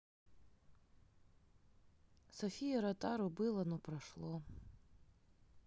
софия ротару было но прошло